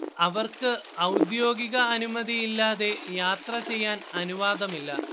അവർക്ക് ഔദ്യോഗിക അനുമതിയില്ലാതെ യാത്രചെയ്യാൻ അനുവാദമില്ല